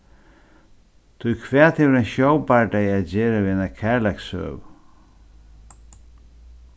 tí hvat hevur ein sjóbardagi at gera við eina kærleikssøgu